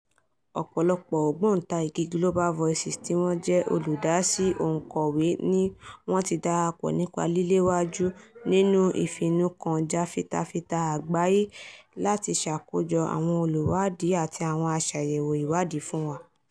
Ọ̀pọ̀lọpọ̀ ògbóntàrigì Global Voices tí wọ́n jẹ́ olùdásí ọ̀ǹkọ̀wé ní wọ́n ti darapọ̀ nípa líléwájú nínu ìfinúkan jàfitafita àgbáyé láti ṣåkójọ àwọn olùwádìí àti àwọn aṣàyẹ̀wò ìwádìí fún wa.